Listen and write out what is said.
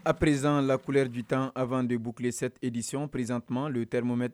Aprerizan laklileredi tan apan de buplesedisiɔn preriz tuma don termome